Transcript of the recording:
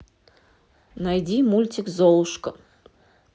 найди мультик золушка